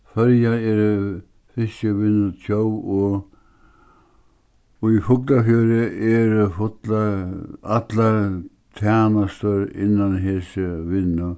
føroyar eru fiskivinnutjóð og í fuglafjørði eru fullar allar tænastur innan hesi vinnu